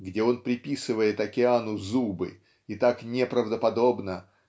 где он приписывает океану зубы и так неправдоподобно